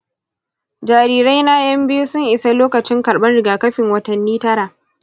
jarirai na yan biyu sun isa lokacin karɓar rigakafin watanni tara.